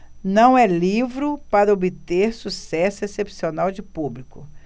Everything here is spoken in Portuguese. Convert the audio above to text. não é livro para obter sucesso excepcional de público